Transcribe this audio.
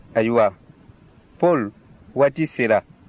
ayiwa pɔl waati sera